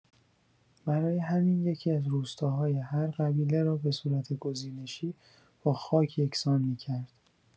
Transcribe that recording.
برای همین یکی‌از روستاهای هر قبیله را به‌صورت گزینشی با خاک یکسان می‌کرد.